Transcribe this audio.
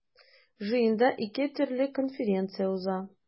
Җыенда ике төрле конференция уза.